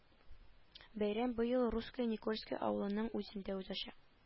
Бәйрәм быел русское никольское авылының үзендә узачак